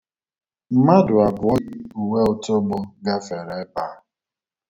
Mmadụ abụọ yi uwe otogbo gafere ebe a